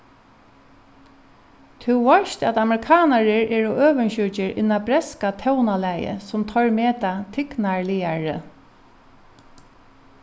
tú veitst at amerikanarar eru øvundsjúkir inn á bretska tónalagið sum teir meta tignarligari